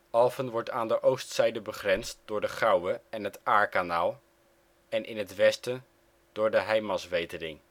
Alphen wordt aan de oostzijde begrensd door de Gouwe en het Aarkanaal, en in het westen door de Heimanswetering